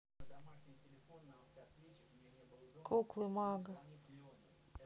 куклы мага